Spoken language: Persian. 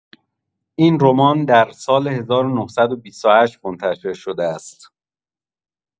این رمان در سال ۱۹۲۸ منشتر شده است.